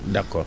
d' accord